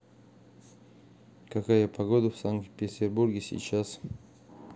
какая погода в санкт петербурге сейчас